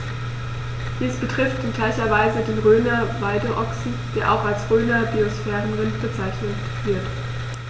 Dies betrifft in gleicher Weise den Rhöner Weideochsen, der auch als Rhöner Biosphärenrind bezeichnet wird.